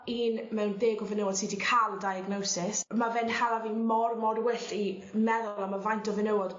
un mewn deg o fenywod si 'di ca'l diagnosis ma' fe'n hala fi mor mor wyll' i meddwl am y faint o fenywod